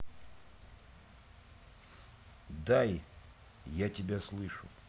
дай я тебя слышу